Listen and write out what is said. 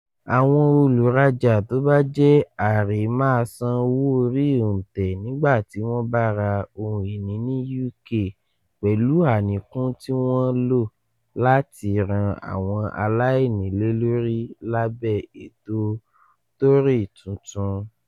Àwọn olùrajà tó bá jẹ́ àrè máa san owó orí òǹtẹ̀ nígbàtí wọ́n bá ra ohun iní ní UK pẹ̀lú àníkún tí wọ́n lò láti ran àwọn aláìnílélórí lábẹ̀ ètò Tory tuntun